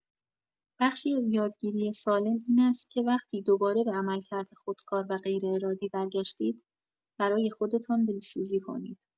بخشی از یادگیری سالم این است که وقتی دوباره به عملکرد خودکار و غیرارادی برگشتید، برای خودتان دلسوزی کنید.